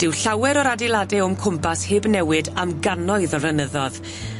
Dyw llawer o'r adeilade o'n cwmpas heb newid am gannoedd o flynyddodd.